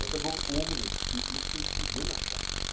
Это был умный и искренний юноша